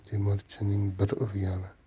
temirchining bir urgani